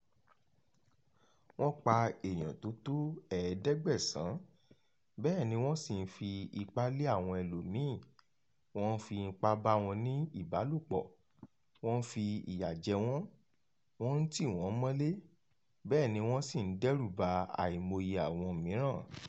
"Wọ́n pa èèyàn tó tó 1700, bẹ́ẹ̀ ni wọ́n sì ń fi ipá lé àwọn ẹlòmíìn, wọ́n ń fi ipá bá wọn ní ìbálòpọ̀, wọ́n ń fi ìyà jẹ wọ́n, wọ́n ń tì wọ́n mọ́lé, bẹ́ẹ̀ ni wọ́n sì ń dẹ́rùba àìmọye àwọn mìíràn".